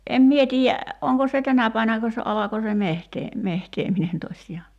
en minä tiedä onko se tänä päivänäkö se alkoi se - metsääminen tosiaan